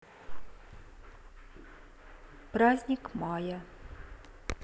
праздник мая